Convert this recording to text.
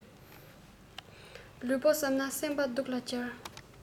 ལུས པོ བསམས ན སེམས པ སྡུག ལ སྦྱོར